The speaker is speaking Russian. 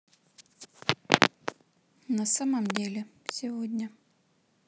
на самом деле сегодня